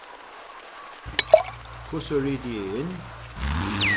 hvussu riti eg inn